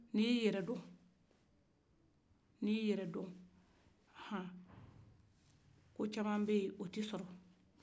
ni i ye i yɛrɛ dɔn ni i ye i yɛrɛ dɔn han ko cama bɛ yen o t' i sɔrɔ